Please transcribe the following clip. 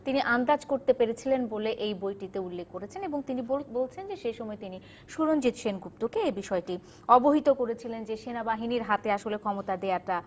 তিনি আন্দাজ করতে পেরেছিলেন বলে এই বইটি তে উল্লেখ করেছেন এবং তিনি বলছেন সে সময় তিনি সুরঞ্জিত সেনগুপ্তকে এই বিষয়টি অবহিত করেছিলেন যে সেনাবাহিনীর হাতে আসলে ক্ষমতা দেয়াটা